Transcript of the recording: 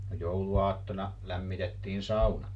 no jouluaattona lämmitettiin sauna